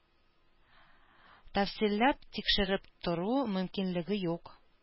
Тәфсилләп тикшереп тору мөмкинлеге юк